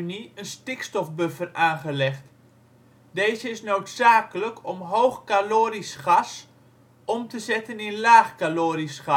een stikstofbuffer aangelegd. Deze is noodzakelijk om hoogcalorisch gas om te zetten in laagcalorisch